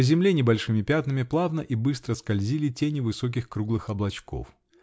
по земле, небольшими пятнами, плавно и быстро скользили тени высоких круглых облачков.